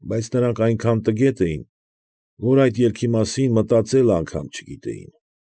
Բայց նրանք այնքան տգետ էին որ այդ ելքի մասին մտածել անգամ չգիտեին։